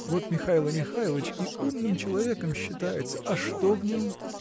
Вот Михайло Михайлыч и умным человеком считается, а что в нем?